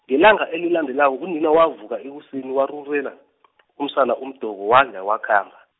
ngelanga elilandelako unina wavuka ekuseni warurela , umsana umdoko wadla wakhamba.